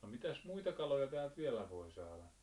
no mitäs muita kaloja täältä vielä voi saada